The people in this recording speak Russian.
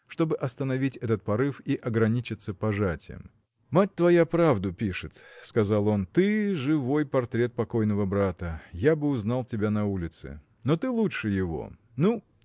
чтобы остановить этот порыв и ограничиться пожатием. – Мать твоя правду пишет – сказал он – ты живой портрет покойного брата я бы узнал тебя на улице. Но ты лучше его. Ну